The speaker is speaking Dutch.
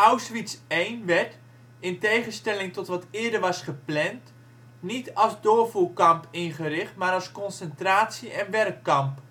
Auschwitz I werd - in tegenstelling tot wat eerder was gepland - niet als doorvoerkamp ingericht, maar als concentratie - en werkkamp